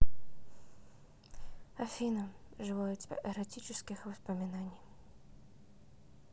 афина желаю тебе эротических воспоминаний